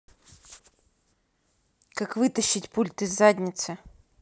как вытащить пульт из задницы